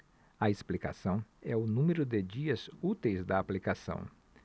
a explicação é o número de dias úteis da aplicação